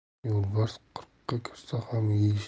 yo'lbars qirqqa kirsa ham yeyishi ang